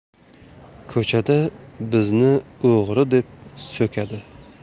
ko'chada bizni o'g'ri deb so'kadi